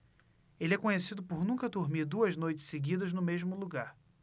ele é conhecido por nunca dormir duas noites seguidas no mesmo lugar